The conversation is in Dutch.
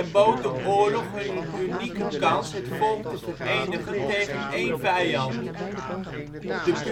bood de oorlog hun een unieke kans het volk te verenigen tegen één vijand. De puriteins-sjiitische